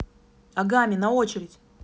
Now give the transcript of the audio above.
агами на очередь